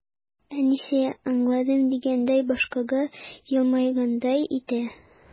Әнисе, аңладым дигәндәй баш кага, елмайгандай итә.